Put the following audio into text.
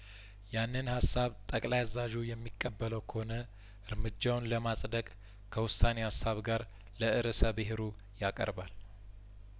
ያንን ሀሳብ ጠቅላይ አዛዡ የሚቀበለው ከሆነ እርምጃውን ለማጽደቅ ከውሳኔ ሀሳብ ጋር ለእርሰ ብሄሩ ያቀርባል